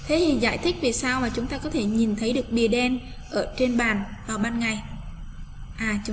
hãy giải thích vì sao và chúng ta có thể nhìn thấy được bị đen ở trên bàn vào ban ngày